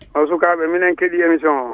no sukaɓe minen keeɗi émission o